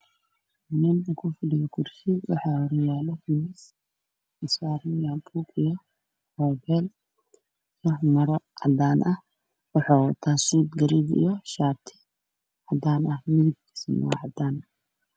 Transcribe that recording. Waa hool waxaa iskugu imaaday niman kuraas cadaan